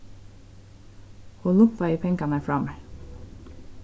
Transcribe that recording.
hon lumpaði pengarnar frá mær